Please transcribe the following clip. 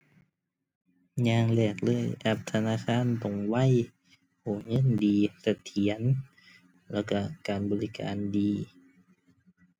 อย่างแรกเลยแอปธนาคารต้องไว โอนเงินดี เสถียร แล้วก็การบริการดี